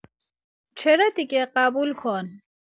چرا دیگه، قبول کن!